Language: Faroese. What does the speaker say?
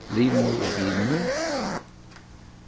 linur og vinur